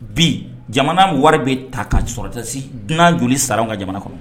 Bi jamana wari bɛ ta ka sɔrɔtasi dunan joli sara ka jamana kɔnɔ